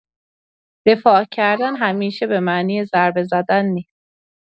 دفاع کردن همیشه به معنی ضربه زدن نیست.